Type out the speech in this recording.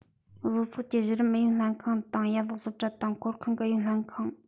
བཟོ ཚོགས ཀྱི གཞི རིམ ཨུ ཡོན ལྷན ཁང དང ཡན ལག བཟོ གྲྭ དང འཁོར ཁང གི ཨུ ཡོན ལྷན ཁང